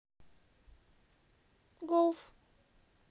golf